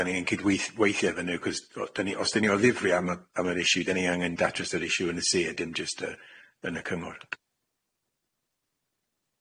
Dan ni yn cydweith- weithie efo n'w acos o- dan ni os dan ni o ddifri am y am yr issue dan ni angen datrys yr issue yn y sir dim jyst yy yn y cyngor.